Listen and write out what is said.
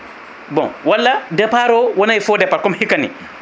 bon walla départ o wonay faux départ comme hikka ni